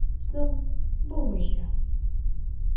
Соң, булмыйча!